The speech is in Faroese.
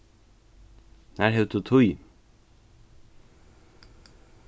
nær hevur tú tíð